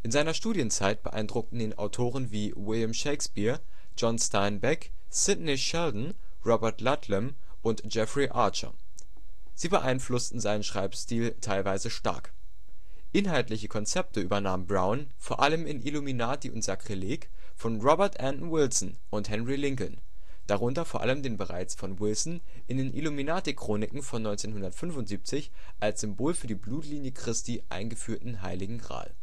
seiner Studienzeit beeindruckten ihn Autoren wie William Shakespeare, John Steinbeck, Sidney Sheldon, Robert Ludlum und Jeffrey Archer. Sie beeinflussten seinen Schreibstil teilweise stark. Inhaltliche Konzepte übernahm Brown - vor allem in Illuminati und Sakrileg - von Robert Anton Wilson und Henry Lincoln, darunter vor allem den bereits von Wilson in den Illuminati-Chroniken von 1975 als Symbol für die Blutlinie Christi eingeführten heiligen Gral